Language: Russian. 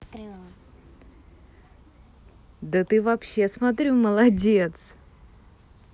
да ты вообще смотрю молодец